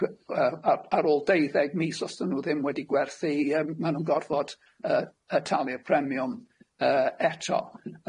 ac yy yy a- ar ôl deuddeg mis os ydyn nw ddim wedi gwerthu yym ma' nw'n gorfod yy yy talu'r premiwm yy eto,